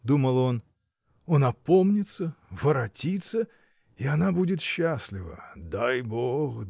— думал он, — он опомнится, воротится, и она будет счастлива. Дай Бог!